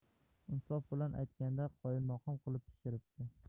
insof bilan aytganda qoyilmaqom qilib pishiribdi